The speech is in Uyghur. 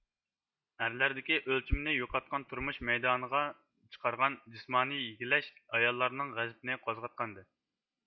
ئەرلەردىكى ئۆلچىمىنى يوقاتقان تۇرمۇش مەيدانغا چىقارغان جىسمانىي يىگلەش ئاياللارنىڭ غەزىپىنى قوزغاتقانىدى